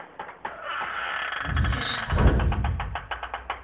не тяжело